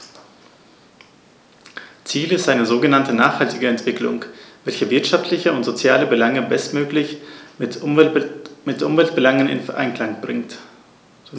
Ziel ist eine sogenannte nachhaltige Entwicklung, welche wirtschaftliche und soziale Belange bestmöglich mit Umweltbelangen in Einklang bringt.